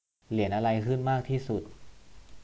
เหรียญอะไรขึ้นมากที่สุด